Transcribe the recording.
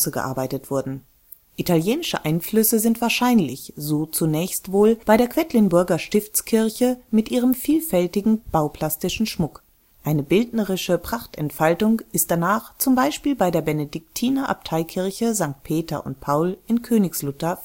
gearbeitet wurden. Italienische Einflüsse sind wahrscheinlich, so zunächst wohl bei der Quedlinburger Stiftskirche mit ihrem vielfältigen bauplastischen Schmuck. Eine bildnerische Prachtentfaltung ist danach z. B. bei der Benediktiner-Abteikirche St. Peter und Paul (Königslutter) festzustellen